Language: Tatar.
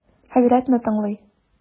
Хәзрәтне тыңлый.